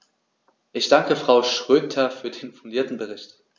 Ich danke Frau Schroedter für den fundierten Bericht.